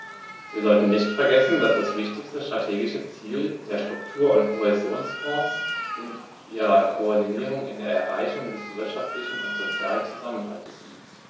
Wir sollten nicht vergessen, dass das wichtigste strategische Ziel der Struktur- und Kohäsionsfonds und ihrer Koordinierung in der Erreichung des wirtschaftlichen und sozialen Zusammenhalts liegt.